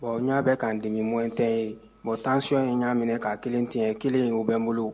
Bon n y'a bɛ ka dimi mɔnte ye wa 1son in y'a minɛ ka kelen tiɲɛɲɛ kelen ye u bɛ bolo